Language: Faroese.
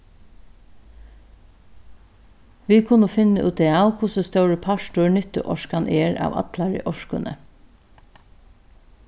vit kunnu finna út av hvussu stórur partur nyttuorkan er av allari orkuni